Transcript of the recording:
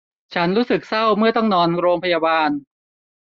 ฉันรู้สึกเศร้าเมื่อต้องนอนโรงพยาบาล